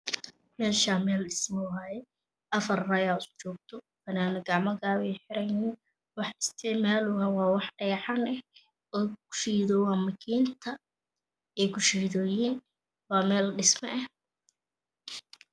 Meeshan meel dhismo ah waaye afar rag isku joogto fanaanad gacmo gaaban xiran yihiin waxay isticmaalooyan waa wax dhagaxaan ah oo Ku makiindooyin ay Ku shiidooyin waa meel dhismo ah